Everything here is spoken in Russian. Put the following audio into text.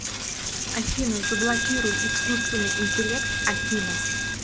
афина заблокируй искусственный интеллект афина